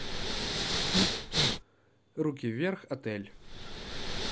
руки вверх отель